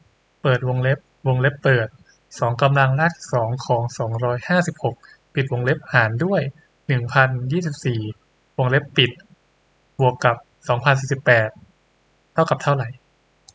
เปิดวงเล็บวงเล็บเปิดสองกำลังรากที่สองของสองร้อยห้าสิบหกปิดวงเล็บหารด้วยหนึ่งพันยี่สิบสี่วงเล็บปิดบวกกับสองพันสี่สิบแปดเท่ากับเท่าไหร่